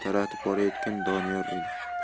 taratib borayotgan doniyor edi